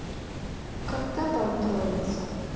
когда троица